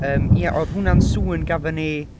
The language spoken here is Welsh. Yym, ie oedd hwnna'n sŵn gafon ni...